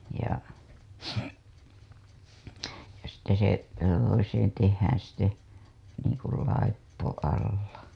ja ja sitten se toiseen tehdään sitten niin kuin laippo alla